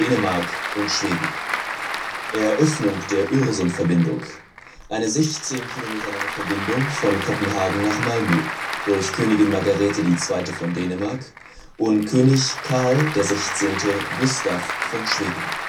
Dänemark und Schweden: Eröffnung der Öresundverbindung, eine 16 Kilometer lange Verbindung von Kopenhagen nach Malmö, durch Königin Margrethe II. von Dänemark und König Carl XVI. Gustaf von Schweden